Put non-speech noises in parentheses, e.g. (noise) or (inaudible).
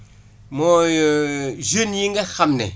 mooy (hesitation) jeunes yi nga xam ne